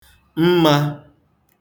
mmā